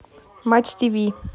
матч тиви